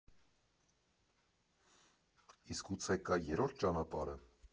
Իսկ գուցե կա երրո՞րդ ճանապարհը։